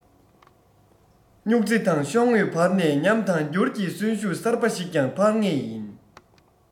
སྨྱུག རྩེ དང ཤོག ངོས བར ནས ཉམས དང འགྱུར གྱི གསོན ཤུགས གསར པ ཞིག ཀྱང འཕར ངེས ཡིན